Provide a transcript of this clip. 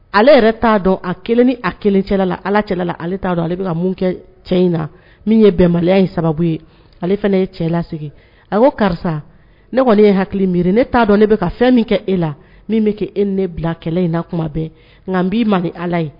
Ale yɛrɛ t'a dɔn a kelen ni a kelen cɛla la ala cɛla ale'a dɔn ale bɛ ka mun kɛ cɛ in na min ye bɛnya in sababu ye ale fana ye cɛ lasigi a ko karisa ne kɔni ne ye hakili miiri ne t'a dɔn ne bɛ ka fɛn min kɛ e la min bɛ kɛ e ni ne bila kɛlɛ in na kuma bɛɛ nka n b'i ma ala ye